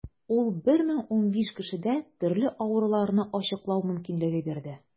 Ул 1015 кешедә төрле авыруларны ачыклау мөмкинлеге бирде.